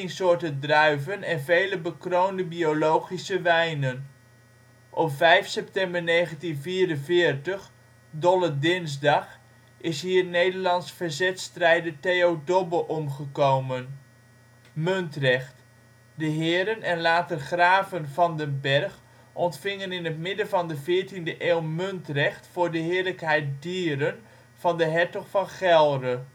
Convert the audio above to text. soorten druiven en vele bekroonde biologische wijnen. Op 5 september 1944, Dolle Dinsdag, is hier Nederlands verzetsstrijder Theo Dobbe omgekomen. Muntrecht: de heren en later graven Van den Bergh ontvingen in het midden van de 14e eeuw muntrecht voor de heerlijkheid Dieren van de hertog van Gelre